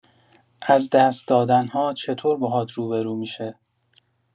از دست دادن‌ها چطور باهات روبه‌رو می‌شه؟